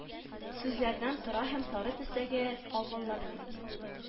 Сүзләрдән тора һәм сары төстәге овалларның